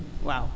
waaw